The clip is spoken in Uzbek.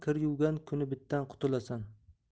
kir yuvgan kuni bitdan qutulasan